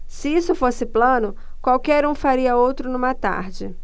se isso fosse plano qualquer um faria outro numa tarde